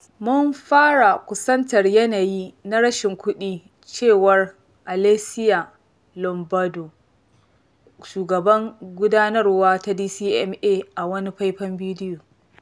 Mun [fara] fuskantar yanayi na rashin kuɗi cewar Alessia Lombardo, shugabar gudanarwa ta DCMA a wani faifan bidiyo.